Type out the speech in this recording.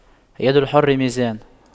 يد الحر ميزان